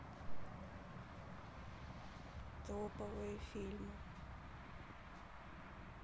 топовые фильмы